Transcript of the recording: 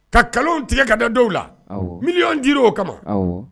Ka nkalon tigɛ ka da dɔw la miliyɔn dira o kama